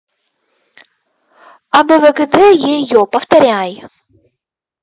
а б в г д е е повторяй